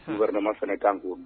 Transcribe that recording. Gofɛrɛnaman fana kan k'o